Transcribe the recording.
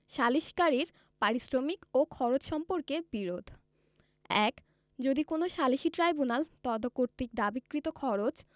সালিসকারীর পারিশ্রমিক ও খরচ সম্পর্কে বিরোধ ১ যদি কোন সালিসী ট্রাইব্যুনাল তদকর্তৃক দাবীকৃত খরচ